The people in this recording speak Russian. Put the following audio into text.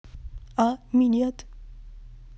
а минет